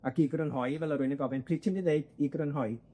Ac i grynhoi fel o' rywun 'di gofyn pryd ti'n mynd i ddeud i grynhoi?